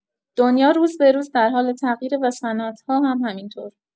دنیا روز به‌روز در حال تغییره و صنعت‌ها هم همینطور.